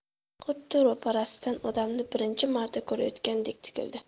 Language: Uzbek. xuddi ro'parasidagi odamni birinchi marta ko'rayotgandek tikildi